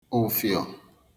ụfịọ